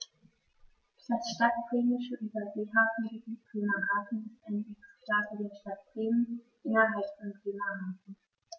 Das Stadtbremische Überseehafengebiet Bremerhaven ist eine Exklave der Stadt Bremen innerhalb von Bremerhaven.